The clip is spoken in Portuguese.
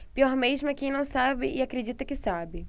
pior mesmo é quem não sabe e acredita que sabe